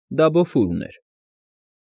Դա Բոֆուրն էր։